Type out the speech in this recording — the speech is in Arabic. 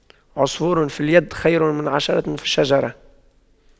عصفور في اليد خير من عشرة على الشجرة